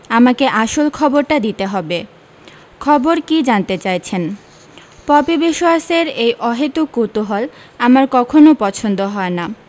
আমাকে আসল খবরটা দিতে হবে খবর কী জানতে চাইছেন পপি বিশোয়াসের এই অহেতুক কুতূহল আমার কখনো পছন্দ হয় না